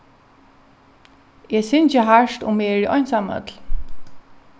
eg syngi hart um eg eri einsamøll